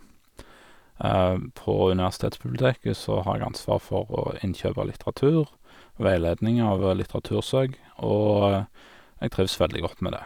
På Universitetsbiblioteket så har jeg ansvar for å innkjøp av litteratur, veiledning av litteratursøk, og jeg trives veldig godt med det.